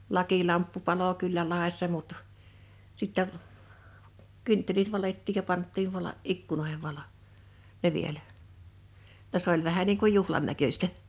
lakilamppu paloi kyllä laessa mutta sitten kynttilät valettiin ja pantiin - ikkunoihin valo ne vielä jotta se oli vähän niin kuin juhlan näköistä